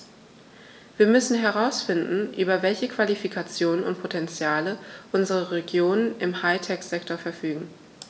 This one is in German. Wir müssen herausfinden, über welche Qualifikationen und Potentiale unsere Regionen im High-Tech-Sektor verfügen.